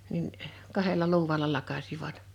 niin kahdella luudalla lakaisivat